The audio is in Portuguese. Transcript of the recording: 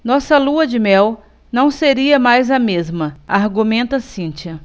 nossa lua-de-mel não seria mais a mesma argumenta cíntia